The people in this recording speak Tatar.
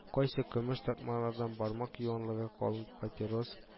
Кайсы көмеш тартмалардан бармак юанлыгы калын папирос